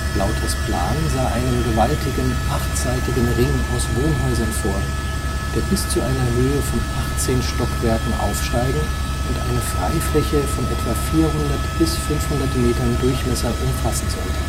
Lauters Plan sah einen gewaltigen achtseitigen Ring aus Wohnhäusern vor, der bis zu einer Höhe von 18 Stockwerken aufsteigen und eine Freifläche von etwa 400 bis 500 Metern Durchmesser umfassen sollte